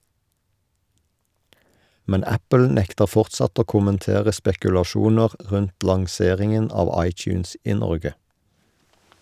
Men Apple nekter fortsatt å kommentere spekulasjoner rundt lanseringen av iTunes i Norge.